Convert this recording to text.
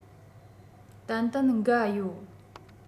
ཏན ཏན འགའ ཡོད